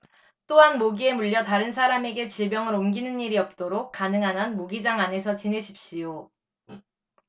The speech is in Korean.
또한 모기에 물려 다른 사람에게 질병을 옮기는 일이 없도록 가능한 한 모기장 안에서 지내십시오